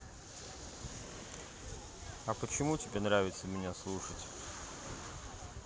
а почему тебе нравится меня слушать